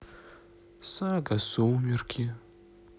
сага сумерки